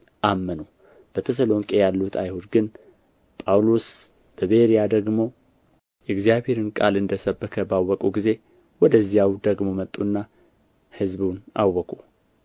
አመኑ በተሰሎንቄ ያሉት አይሁድ ግን ጳውሎስ በቤርያ ደግሞ የእግዚአብሔርን ቃል እንደ ሰበከ ባወቁ ጊዜ ወደዚያው ደግሞ መጡና ሕዝቡን አወኩ